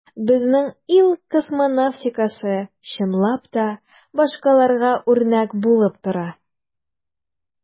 Безнең ил космонавтикасы, чынлап та, башкаларга үрнәк булып тора.